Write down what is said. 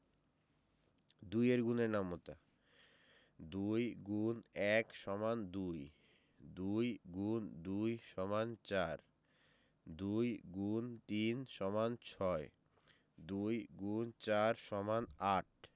২ এর গুণের নামতা ২ X ১ = ২ ২ X ২ = ৪ ২ X ৩ = ৬ ২ X ৪ = ৮